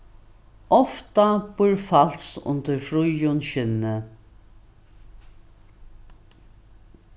ofta býr fals undir fríðum skinni